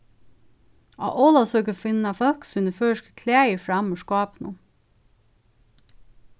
á ólavsøku finna fólk síni føroysku klæðir fram úr skápinum